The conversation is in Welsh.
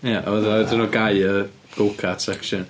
Ia, a wedyn rhaid iddyn nhw gau y go-kart section.